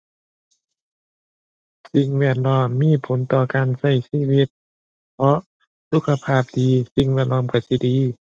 สิ่งแวดล้อมมีผลต่อการใช้ชีวิต เพราะสุขภาพดี สิ่งแวดล้อมใช้สิดี ⁠